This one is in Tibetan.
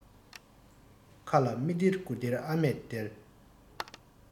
ཁ ལ མི སྟེར དགུ སྟེར ཨ མས སྟེར